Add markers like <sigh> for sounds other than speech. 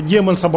<hesitation> <hesitation>